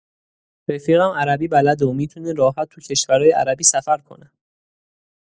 رفیقم عربی بلده و می‌تونه راحت تو کشورای عربی سفر کنه.